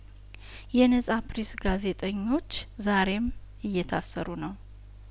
የነጻ ፕሬስ ጋዜጠኞች ዛሬም እየታሰሩ ነው